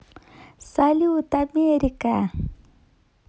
салют америка